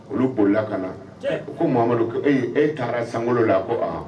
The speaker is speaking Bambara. Olu bolila ka na u ko mamudu ko ee e taara sankolo la ko aa